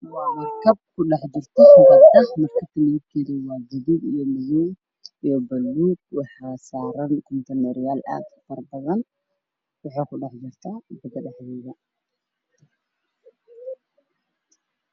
Waa markab aada u weyn oo dhex yaalla badda waxa saaran kunteedharo aada u farabadan midabkoodi yahay jaallo guduud bire ayaa ka taagtay